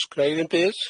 S'gnai ddim byd?